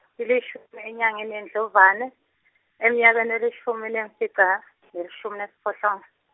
tilishumi enyangeni yeNdlovana eminyakeni lelishumi nemfica nelishumi nesiphohlongo.